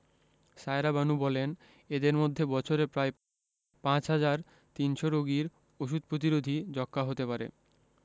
সায়েরা বানু বলেন এদের মধ্যে বছরে প্রায় ৫ হাজার ৩০০ রোগীর ওষুধ প্রতিরোধী যক্ষ্মা হতে পারে